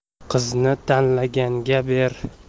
qizni tanlaganga ber